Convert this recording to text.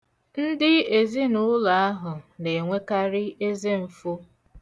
Ndị ezinụụlọ ahụ na-enwekarị ezemfo.